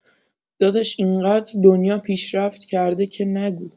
داداش اینقدر دنیا پیشرفت کرده که نگو